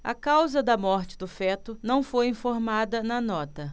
a causa da morte do feto não foi informada na nota